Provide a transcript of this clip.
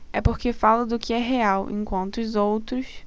é porque falo do que é real enquanto os outros